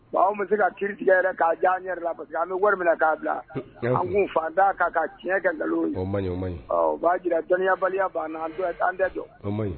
Bon anw bɛ se ka kiri yɛrɛ k'a jan yɛrɛ la parce que an bɛ wari min na k'a bila an kun faa' kan ka tiɲɛ kɛ nkalon b'a jira jɔnyabali banna an' tɛ dɔn